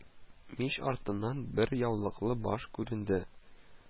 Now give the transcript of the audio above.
Мич артыннан бер яулыклы баш күренде